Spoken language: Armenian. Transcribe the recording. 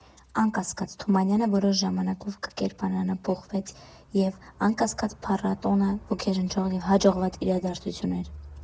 Անկասկած, Թումանյանը որոշ ժամանակով կերպարանափոխվեց, և, անկասկած, փառատոնը ոգեշնչող և հաջողված իրադարձություն էր։